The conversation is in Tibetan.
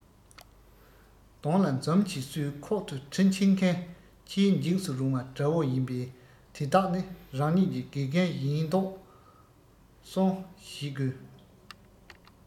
གདོང ལ འཛུམ གྱིས བསུས ཁོག ཏུ གྲི འཆིང མཁན ཆེས འཇིགས སུ རུང བ དགྲ བོ ཡིན པས དེ དག ནི རང ཉིད ཀྱི དགེ རྒན ཡིན དོགས ཟོན བྱེད དགོས